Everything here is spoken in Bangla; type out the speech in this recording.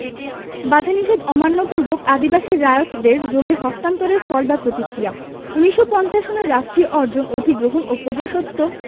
বাধানিষেধ অমান্য পূর্বক আদিবাসী রায়তদের জমি হস্তান্তরের ফল বা প্রতিক্রিয়া ১৯৫০ সনের রাষ্ট্রীয় অর্জন অধিগ্রহণ ও প্রজাস্বত্ব